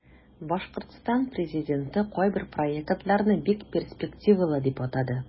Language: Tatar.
Башкортстан президенты кайбер проектларны бик перспективалы дип атады.